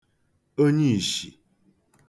onyiìshì